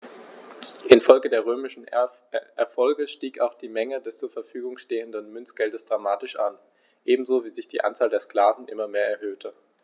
Infolge der römischen Erfolge stieg auch die Menge des zur Verfügung stehenden Münzgeldes dramatisch an, ebenso wie sich die Anzahl der Sklaven immer mehr erhöhte.